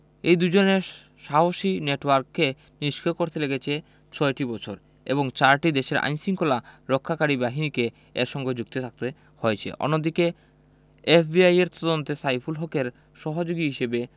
এই দুজনের সন্ত্রাসী নেটওয়ার্ককে নিষ্ক্রিয় করতে লেগেছে ছয়টি বছর এবং চারটি দেশের আইনশৃঙ্খলা রক্ষাকারী বাহিনীকে এর সঙ্গে যুক্ত থাকতে হয়েছে অন্যদিকে এফবিআইয়ের তদন্তে সাইফুল হকের সহযোগী হিসেবে